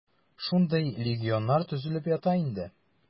Шундый легионнар төзелеп ята инде.